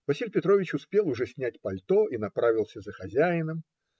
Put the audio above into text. Василий Петрович успел уже снять пальто и направился за хозяином.